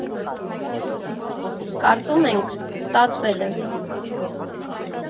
Կարծում ենք՝ ստացվել է.